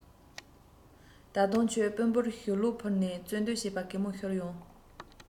ད དུང ཁྱོད དཔོན པོར ཞུ ལོག ཕུལ ནས རྩོད འདོད བྱེད པ གད མོ ཤོར ཡོང